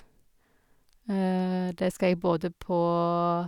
Det skal jeg både på...